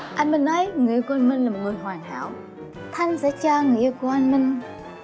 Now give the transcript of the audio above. anh minh nói người yêu của anh minh là một người hoàn hảo thanh sẽ cho người yêu của anh minh